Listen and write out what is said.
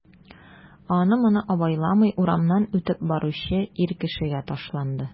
Аны-моны абайламый урамнан үтеп баручы ир кешегә ташланды...